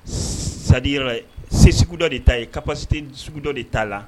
Sadi se sugu dɔ de ta yen ka pasite sugu dɔ de'a la